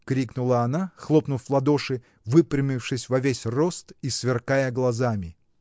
— крикнула она, хлопнув в ладони, выпрямившись во весь рост и сверкая глазами.